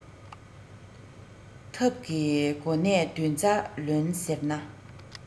ཐབས ཀྱི སྒོ ནས དོན རྩ ལོན ཟེར ན